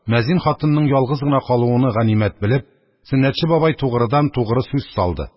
Мөәззин хатынының ялгыз гына калуыны ганимәт1 белеп, Сөннәтче бабай тугрыдан-тугры сүз салды.